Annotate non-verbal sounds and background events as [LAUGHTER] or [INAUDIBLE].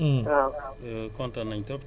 donc jërëjëf [HESITATION] Serigne Dame